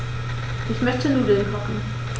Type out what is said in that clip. Ich möchte Nudeln kochen.